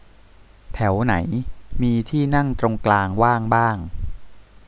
แถวไหนมีที่นั่งตรงกลางว่างบ้าง